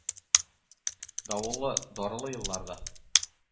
Давыллы, дарылы елларда.